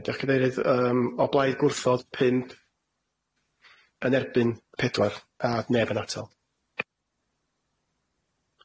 Diolch cadeirydd, yym o blaid gwrthodd, pump, yn erbyn pedwar, a neb yn atal.